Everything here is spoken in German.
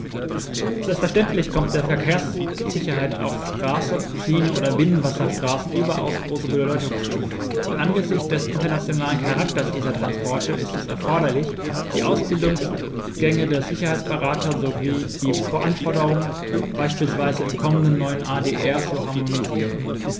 Selbstverständlich kommt der Verkehrssicherheit auf Straße, Schiene oder Binnenwasserstraßen überaus große Bedeutung zu, und angesichts des internationalen Charakters dieser Transporte ist es erforderlich, die Ausbildungsgänge für Sicherheitsberater sowie die Anforderungen beispielsweise im kommenden neuen ADR zu harmonisieren.